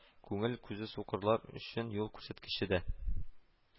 Күңел күзе сукырлар өчен юл күрсәткече дә